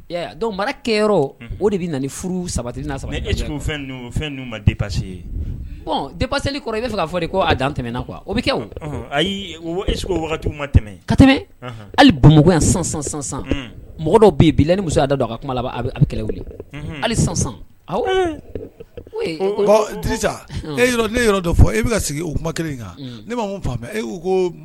B'a fɛ fɔ ko dan tɛmɛna kuwa o bɛ kɛ ayi ka tɛmɛbuguya sansan sansan mɔgɔ dɔ bɛ bila ni muso don ka kuma hali sansansa dɔ fɔ e bɛ sigi u kuma kelen kan ne ma